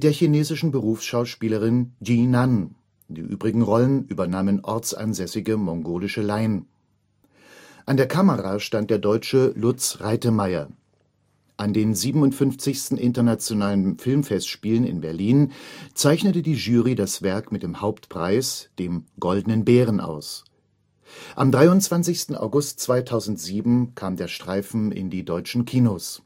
chinesischen Berufsschauspielerin Yu Nan; die übrigen Rollen übernahmen ortsansässige mongolische Laien. An der Kamera stand der Deutsche Lutz Reitemeier. An den 57. Internationalen Filmfestspielen in Berlin zeichnete die Jury das Werk mit dem Hauptpreis, dem Goldenen Bären aus. Am 23. August 2007 kam der Streifen in die deutschen Kinos